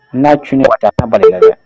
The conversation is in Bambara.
Na tun taa malo